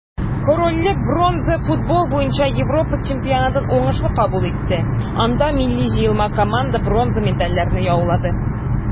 Корольлек бронза футбол буенча Европа чемпионатын уңышлы кабул итте, анда милли җыелма команда бронза медальләрне яулады.